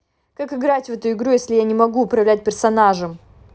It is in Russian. как играть в эту игру если я не могу управлять персонажем